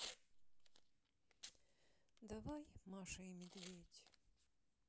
давай маша и медведь